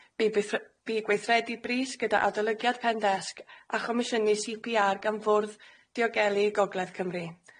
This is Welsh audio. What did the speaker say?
Bu'i gweithre- bu'i gweithredu brys gyda adolygiad pen-desg a chomisiynu See Pee Are gan Fwrdd Diogelu Gogledd Cymru.